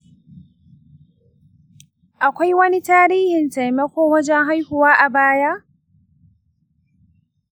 akwai wani tarihin taimako wajen haihuwa a baya?